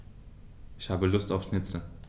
Ich habe Lust auf Schnitzel.